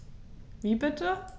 Wie bitte?